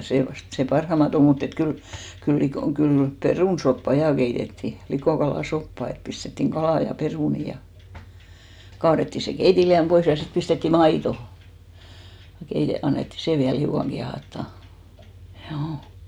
se vasta se parhainta on mutta että kyllä kyllä - kyllä perunasoppaa ja keitettiin likokalasoppaa että pistettiin kalaa ja perunoita ja kaadettiin se keitinliemi pois ja sitten pistettiin maitoa ja - annettiin sen vielä hiukan kiehahtaa juu